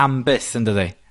am byth ydydi?